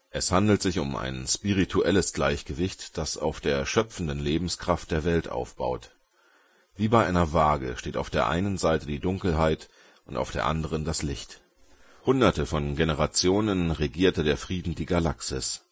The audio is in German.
Es handelt sich um ein spirituelles Gleichgewicht, das auf der schöpfenden Lebenskraft der Welt aufbaut. Wie bei einer Waage, steht auf der einen Seite die Dunkelheit und auf der anderen das Licht. Hunderte von Generationen regierte der Frieden die Galaxis